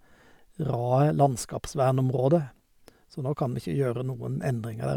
Raet landskapsvernområde, så nå kan vi ikke gjøre noen endringer der.